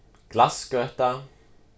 glaðsgøta